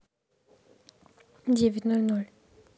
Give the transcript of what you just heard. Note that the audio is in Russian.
девять ноль ноль